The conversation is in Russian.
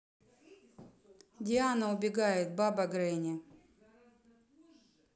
диана убегает баба гренни